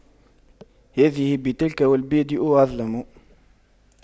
هذه بتلك والبادئ أظلم